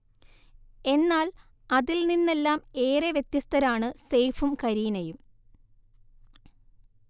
എന്നാൽ, അതിൽ നിന്നെല്ലാംഏറെ വ്യത്യസ്തരാണ് സെയ്ഫും കരീനയും